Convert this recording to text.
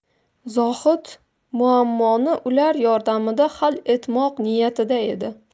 zohid muammoni ular yordamida hal etmoq niyatida edi